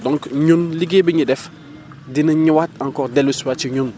donc ñun liggéey bi ñuy def dina ñëwaat encore dellu si waat ci ñun